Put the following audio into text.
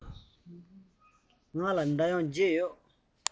ང ལ སྒོར བརྒྱད ཡོད